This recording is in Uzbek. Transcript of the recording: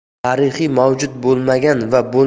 tarix mavjud bo'lmagan va